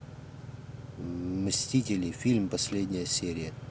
мстители фильм последняя серия